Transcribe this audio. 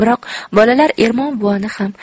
biroq bolalar ermon buvani ham